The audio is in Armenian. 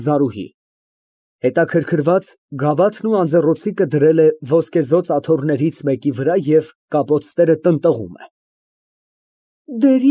ԶԱՐՈՒՀԻ ֊ (Հետաքրքրված՝ գավաթն ու անձեռնոցիկը դրել է ոսկեզօծ աթոռներից մեկի վրա և կապոցները տնտղում է)